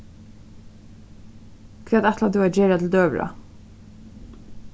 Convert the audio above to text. hvat ætlar tú at gera til døgurða